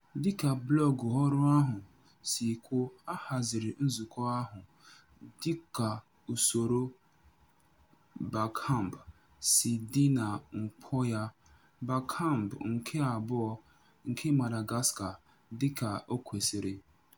Dịka blọọgụ ọrụ ahụ si kwuo, a haziri nzukọ ahụ dịka usoro Barcamp si dị ma kpọọ ya Barcamp nke abụọ nke Madagascar dịka o kwesịrị.